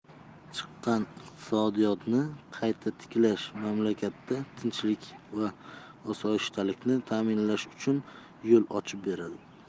chiqqan iqtisodiyotni qayta tiklash mamlakatda tinchlik va osoyishtalikni ta'minlash uchun yo'l ochib beradi